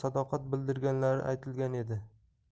sadoqat bildirganlari aytilgan edi